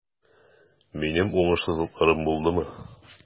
Минем уңышсызлыкларым булдымы?